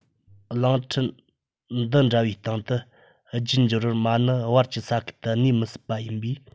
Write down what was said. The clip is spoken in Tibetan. གླིང ཕྲན འདི འདྲ བའི སྟེང དུ རྒྱུད འགྱུར བར མ ནི བར གྱི ས ཁུལ དུ གནས མི སྲིད པ ཡིན པས